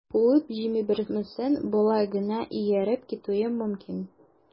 Куып җибәрмәсәң, болай гына ияреп китүем мөмкин...